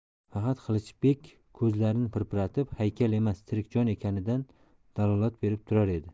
faqat qilichbek ko'zlarini pirpiratib haykal emas tirik jon ekanidan dalolat berib turar edi